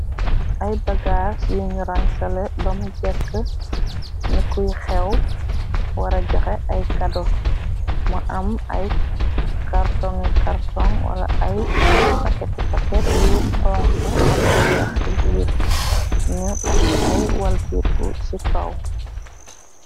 Ay bagaas yiñu rangsale bamu jekke ni kuy xew wara joxe ay kado mu am ay cartong cartong wala ay paketi paket yu xonko am lu weex ci biir ñu takk ay wal pirpu ci kaw.